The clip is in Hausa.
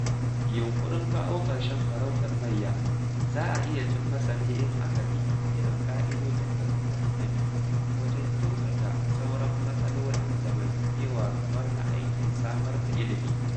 Yunƙurin kawo ƙarshen farautar mayya za a iya cimmasa ne in aka bi irin ƙa'idojin da gwamnati ta bi wajen kyautata sauran matsalolin zamntakewa kamar na aikin samar da ilimi.